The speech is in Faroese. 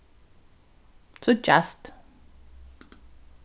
síggjast